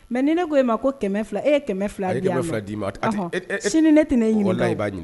Mɛ ni ne ko e ma ko kɛmɛ fila e ye kɛmɛ fila fila d'i ma sini ne tɛna ne ɲuman la i b'a ɲɛ